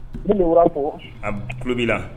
N bi Loran fo. A kulo bi la.